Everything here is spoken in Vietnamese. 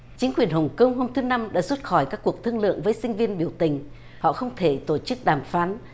chính quyền hồng công hôm thứ năm đã rút khỏi các cuộc thương lượng với sinh viên biểu tình họ không thể tổ chức đàm phán